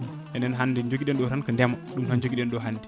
enen hannde joguiɗen ɗo tan ko ndeema ɗum tan joguiɗen ɗo hannde